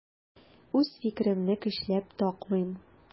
Үз фикеремне көчләп такмыйм.